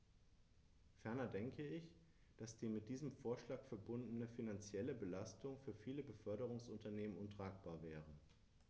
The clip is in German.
Ferner denke ich, dass die mit diesem Vorschlag verbundene finanzielle Belastung für viele Beförderungsunternehmen untragbar wäre.